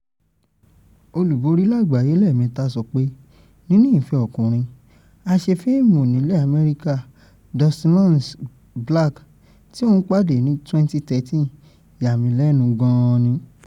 Olùborí lágbàáyé lẹ́ẹ̀mẹtà sọ pé níní ìfẹ́ ọkùnrin - Aṣefíìmù nílẹ̀ Amẹ́ríkà Dustin Lance Black, tí òun pàdé ní 2013 - “yá mí lẹ́nu gan an ni."